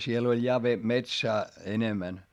siellä oli ja - metsää enemmän